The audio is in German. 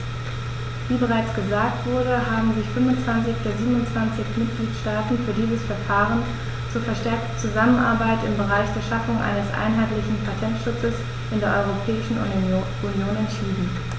Wie bereits gesagt wurde, haben sich 25 der 27 Mitgliedstaaten für dieses Verfahren zur verstärkten Zusammenarbeit im Bereich der Schaffung eines einheitlichen Patentschutzes in der Europäischen Union entschieden.